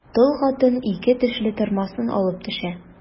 Тол хатын ике тешле тырмасын алып төшә.